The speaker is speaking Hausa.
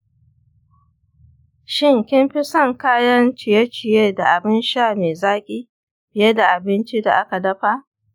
shin kin fi son kayan ciye-ciye da abin sha mai zaki fiye da abinci da aka dafa?